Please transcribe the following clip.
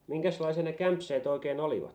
minkäslaisia ne kämseet oikein olivat